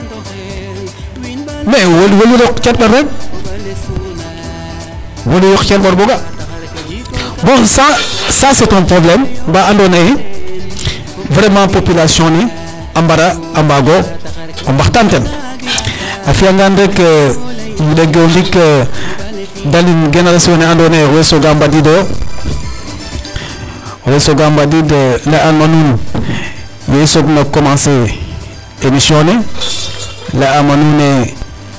Mais wolwi yoq cer ɓor rek, wolwi yoq cer ɓor bo ga' donc ca s' est un problème na andoona yee vraiment population ne a mbara a mbaag o o mbaxtantel. A fi'angaan rek um ɗeg o ndik dalin genares wene andoona ye owey sooga mbadiid lay'anma nuun yee i sooga commencer émission ne .